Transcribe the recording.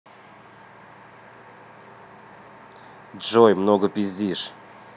джой много пиздишь